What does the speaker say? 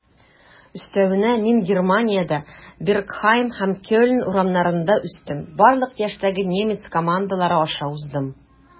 Өстәвенә, мин Германиядә, Бергхайм һәм Кельн урамнарында үстем, барлык яшьтәге немец командалары аша уздым.